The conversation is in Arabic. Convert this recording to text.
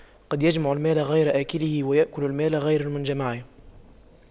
قد يجمع المال غير آكله ويأكل المال غير من جمعه